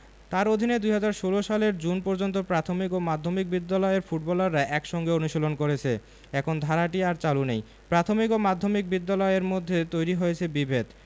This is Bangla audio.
তাঁর অধীনে ২০১৬ সালের জুন পর্যন্ত প্রাথমিক ও মাধ্যমিক বিদ্যালয়ের ফুটবলাররা একসঙ্গে অনুশীলন করেছে এখন ধারাটি আর চালু নেই প্রাথমিক ও মাধ্যমিক বিদ্যালয়ের মধ্যে তৈরি হয়েছে বিভেদ